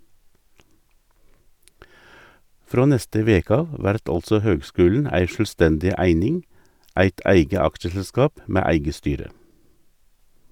Frå neste veke av vert altså høgskulen ei sjølvstendig eining, eit eige aksjeselskap med eige styre.